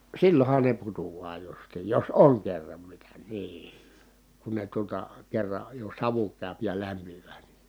silloinhan ne putoaa justiin jos on kerran mitä niin kun ne tuota kerran jo savu käy ja lämpimään niin